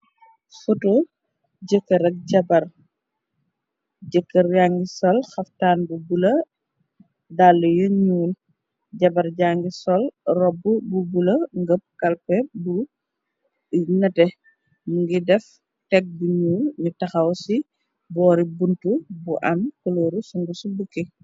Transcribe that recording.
Poto jëkar ak jabar. Jëkkër ba ngi sol haftaan bu bulo, dall yu ñuu. Jabar ja ngi sol robb bu bulo, ngëb kalpeh bu nete, mungi def teg bi ñuul. Ñu tahaw ci boori bunt bu am kolooru sungsu bukki.